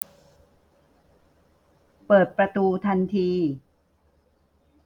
เปิดประตูทันที